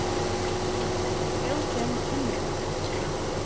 góðkenn kennifílur